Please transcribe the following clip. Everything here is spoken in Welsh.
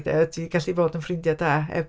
Ti'n gallu fod yn ffrindiau da heb...